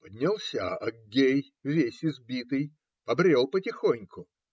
Поднялся Аггей, весь избитый, побрел потихоньку.